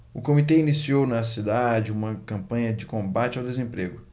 o comitê iniciou na cidade uma campanha de combate ao desemprego